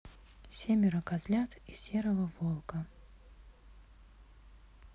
семеро козлят и серого волка